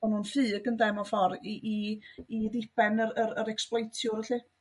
bo' n'w'n ffug ynde? Mewn ffor' i i ddiben yr yr ecsboentiwr 'llu.